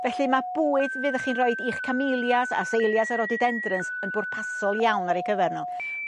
Felly ma'r bwyd fyddech chi'n roid i'ch Camellias Azaleas a Rhododendrons yn bwrpasol iawn ar ei cyfer n'w.